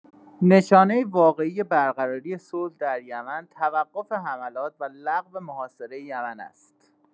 نشانه واقعی برقراری صلح در یمن توقف حملات و لغو محاصره یمن است.